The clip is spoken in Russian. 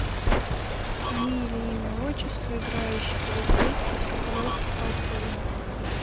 фамилия имя отчество играющий полицейский с рублевки полковник